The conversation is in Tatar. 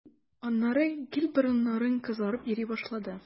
Аннары гел борыннарың кызарып йөри башлады.